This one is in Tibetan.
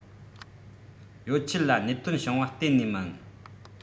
ཡོད ཆད ལ གནད དོན བྱུང བ གཏན ནས མིན